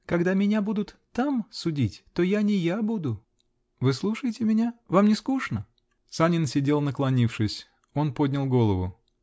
Когда меня будут там судить, то я не я буду! Вы слушаете меня? Вам не скучно? Санин сидел наклонившись. Он поднял голову.